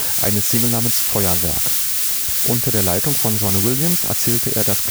eine Single namens „ Feuerwerk “. Unter der Leitung von John Williams erzählte er das